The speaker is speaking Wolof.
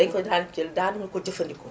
dañu ko daan jël daanuñu ko jafandikoo